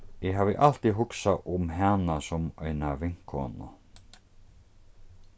eg havi altíð hugsað um hana sum eina vinkonu